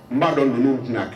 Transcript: N b'a dɔn ninnu tɛna kɛ